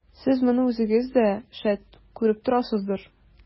Сез моны үзегез дә, шәт, күреп торасыздыр.